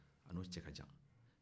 a n'o cɛ ka jan